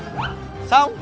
xong